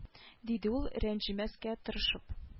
Диде ул рәнҗемәскә тырышып